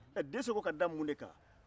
dɛsɛ ko k'a da mun de kan